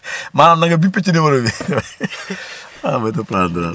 maanaam na nga bippé ci numéro bi xaral ma reprendre waat